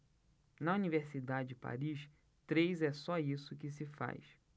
na universidade de paris três é só isso que se faz